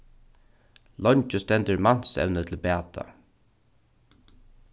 leingi stendur mansevni til bata